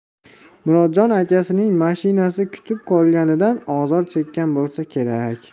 murodjon akasining mashinasi kutib qolganidan ozor chekkan bo'lsa kerak